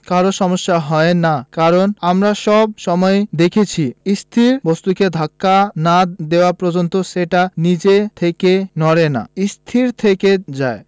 কারো সমস্যা হয় না কারণ আমরা সব সময়ই দেখেছি স্থির বস্তুকে ধাক্কা না দেওয়া পর্যন্ত সেটা নিজে থেকে নড়ে না স্থির থেকে যায়